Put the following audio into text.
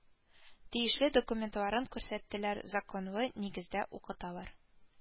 Тиешле документларын күрсәттеләр, законлы нигездә укыталар